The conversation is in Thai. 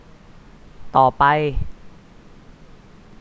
ต่อไป